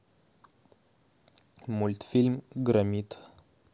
мультфильм громит